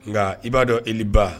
Nka i b'a dɔn ili ba